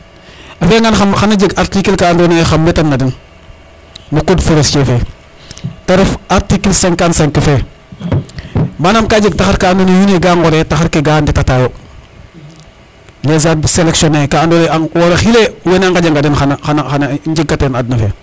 a fiaya ngan xana jeg article ka ando naye xan wetana nuun no code forestier fe te ref article cinquante cinq fe manam ka jeg taxar ka ando naye wiin we ga ngore taxar ke ga ngona ta yo les arbres selectionner ka ando naye a wora xile wene a ŋaƴa nga den jeg kate no adna fe